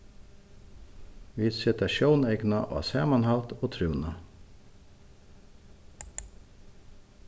vit seta sjóneykuna á samanhald og trivnað